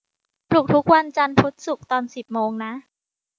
ปลุกทุกวันจันทร์พุธศุกร์ตอนสิบโมงนะ